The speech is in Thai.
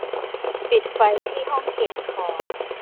ปิดไฟที่ห้องเก็บของ